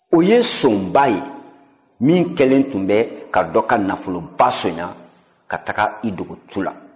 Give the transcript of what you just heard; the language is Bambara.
o ye sonba ye min kɛlen tun bɛ ka dɔ ka nafoloba sonyɛ ka taga i dogo tu la